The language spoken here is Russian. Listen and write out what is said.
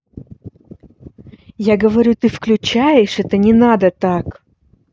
я говорю ты включаешь это не надо так